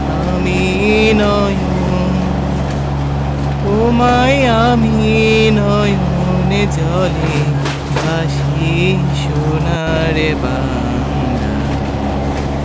আমি নয়ন ওমা আমি নয়ন ওমা আমি নয়ন জলে ভাসি সোনার বাংলা